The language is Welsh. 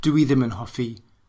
dw i ddim yn hoffi